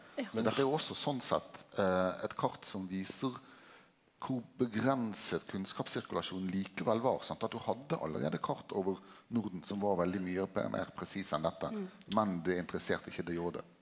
men dette er jo også sånn sett eit kart som viser kor avgrensa kunnskapssirkulasjonen likevel var sant, at du hadde allereie kart over Norden som var veldig mykje meir presis enn dette, men det interesserte ikkje de Jode.